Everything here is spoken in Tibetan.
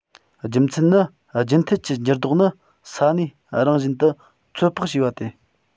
རྒྱུ མཚན ནི རྒྱུན མཐུད ཀྱི འགྱུར ལྡོག ནི ས གནས རང བཞིན དུ ཚོད དཔག བྱས པ སྟེ